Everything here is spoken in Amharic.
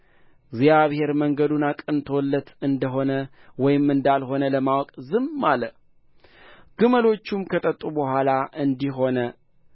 እግዚአብሔር መንገዱን አቅንቶለት እንደ ሆነ ወይም እንዳልሆነ ለማወቅም ዝም አለ ግመሎቹም ከጠጡ በኋላ እንዲህ ሆነ